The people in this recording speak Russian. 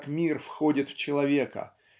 как мир входит в человека